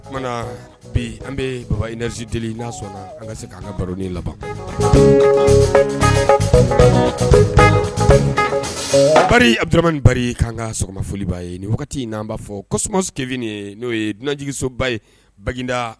Oumana bi an bɛ baba inzd n' sɔnna an ka se k' ka baro ni labandu an ka sɔgɔmaoli ye nin in n an b'a fɔ kosɔnkev n'o ye dunanjiginsoba ye bada